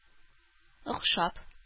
Охшап